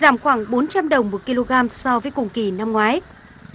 giảm khoảng bốn trăm đồng một ki lô gam so với cùng kỳ năm ngoái